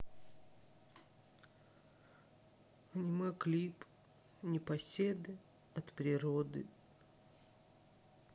аниме клип непоседы от природы